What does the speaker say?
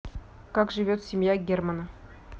как живет семья германа